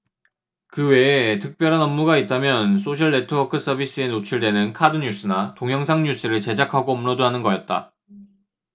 그 외에 특별한 업무가 있다면 소셜네트워크서비스에 노출되는 카드뉴스나 동영상뉴스를 제작하고 업로드하는 거였다